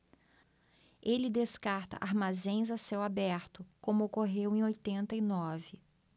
ele descarta armazéns a céu aberto como ocorreu em oitenta e nove